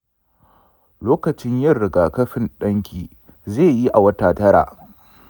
lokacin yin rigakafin ɗanki zai yi a wata tara.